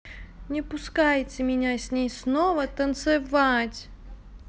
не пускайте меня с ней снова танцевать